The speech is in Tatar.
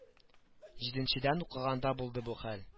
Җиденчедә укыганда булды бу хәл